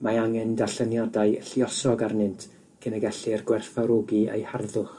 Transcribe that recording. mae angen darlleniadau lluosog arnynt cyn y gellir gwerthfawrogi eu harddwch